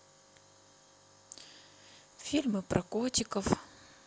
фильмы про котиков